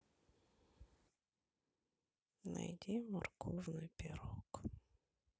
найди морковный пирог